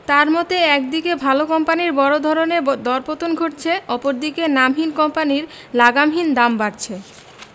তাঁর মতে একদিকে ভালো কোম্পানির বড় ধরনের দরপতন ঘটছে অপর দিকে মানহীন কোম্পানির লাগামহীন দাম বাড়ছে